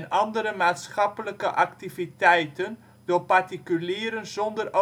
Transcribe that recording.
andere maatschappelijke activiteiten door particulieren zonder overheidssubsidie